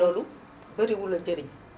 loolu bariwul la njariñ